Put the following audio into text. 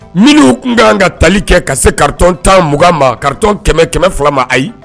Minnu tunkan kan ka tali kɛ ka se kari tan mugan ma kari kɛmɛ kɛmɛ fila ma ayi